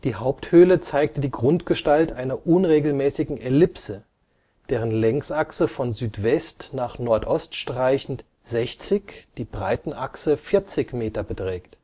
Haupthöhle zeigte die Grundgestalt einer unregelmäßigen Ellipse, deren Längsachse von SW. nach NO. streichend 60, die Breitenachse 40 m beträgt